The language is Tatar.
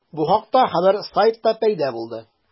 Бу хакта хәбәр сайтта пәйда булды.